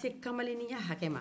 se kamalenninya hakɛ ma